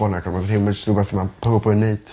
...bo' 'na gormod o rhyw ma' jyst rhywbeth ma powb yn neud...